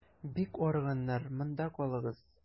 Бик арыганнар, монда калыгыз.